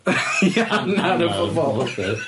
Ie am hanner bobol.